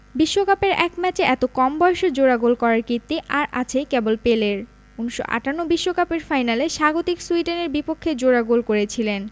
বিশ্বকাপের এক ম্যাচে এত কম বয়সে জোড়া গোল করার কীর্তি আর আছে কেবল পেলের ১৯৫৮ বিশ্বকাপের ফাইনালে স্বাগতিক সুইডেনের বিপক্ষে জোড়া গোল করেছিলেন